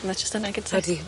Ma' jyst yn Ydi...